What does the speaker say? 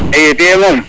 i tiye moom